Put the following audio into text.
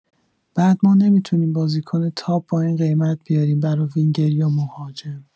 بعد ما نمی‌تونیم بازیکن تاپ با این قیمت بیاریم برا وینگر یا مهاجم